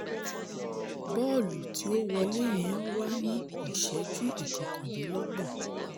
Bọ́ọ̀lù tí ó wọlé yẹn wá ní ìṣẹ́jú ìkọkàndínlọ́gbọ̀n.